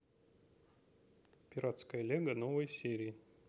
пиратское лего новые серии